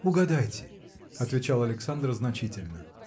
– Угадайте, – отвечал Александр значительно.